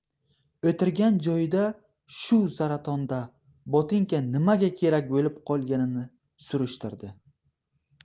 o'tirgan joyida shu saratonda botinka nimaga kerak bo'lib qolganini surishtirdi